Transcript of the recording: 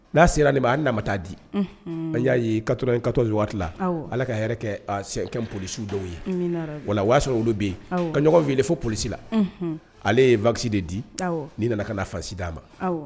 N'a sera nin ma a nama t taa di an y'a ye kato katɔ waati ala ka polisiw dɔw ye wala wa sɔrɔ olu bɛ yen ka ɲɔgɔn wele fo polisila ale ye vsi de di ni nana ka na fa d'a ma